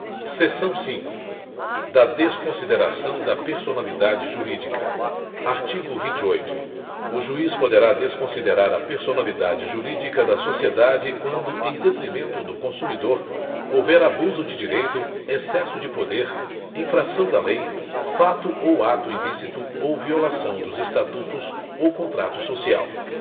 seção cinco da desconsideração da personalidade jurídica artigo vinte oito o juiz poderá desconsiderar a personalidade jurídica da sociedade quando em detrimento do consumidor houver abuso de direito excesso de poder infração da lei fato ou ato ilícito ou violação dos estatutos ou contrato social